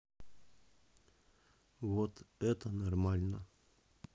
вот это нормально